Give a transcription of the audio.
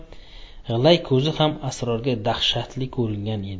g'ilay ko'zi ham srorga daxshatli ko'ringan edi